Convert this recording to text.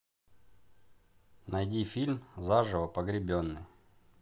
найди фильм заживо погребенный